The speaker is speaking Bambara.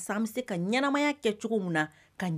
Bɛ se ka ɲɛnaɛnɛmaya kɛ cogo min na